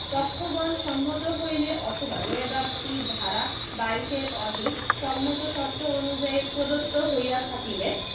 পক্ষগণ সম্মত হইলে অথবা রোয়েদাদটি ধারা ২২ এর অধীন সম্মত শর্ত অনুযায়ী প্রতদ্ত হইয়া থাকিলে